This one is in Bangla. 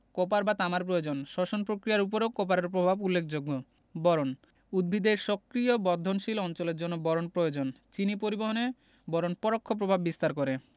কপার বা তামার প্রয়োজন শ্বসন পক্রিয়ার উপরও কপারের প্রভাব উল্লেখযোগ্য বরন উদ্ভিদের সক্রিয় বর্ধনশীল অঞ্চলের জন্য বরন প্রয়োজন চিনি পরিবহনে বরন পরোক্ষ প্রভাব বিস্তার করে